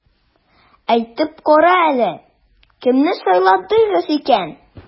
Әйтеп кара әле, кемне сайладыгыз икән?